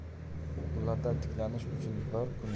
ularda tiklanish uchun bir